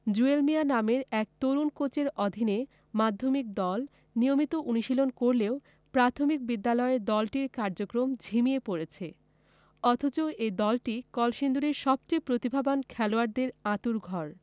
জুয়েল মিয়া নামের এক তরুণ কোচের অধীনে মাধ্যমিক দল নিয়মিত অনুশীলন করলেও প্রাথমিক বিদ্যালয়ের দলটির কার্যক্রম ঝিমিয়ে পড়েছে অথচ এই দলটিই কলসিন্দুরের সবচেয়ে প্রতিভাবান খেলোয়াড়দের আঁতুড়ঘর